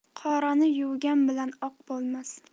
qorani yuvgan bilan oq bo'lmas